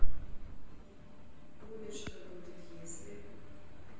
будет что будет если